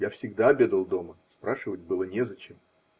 Я всегда обедал дома, спрашивать было незачем.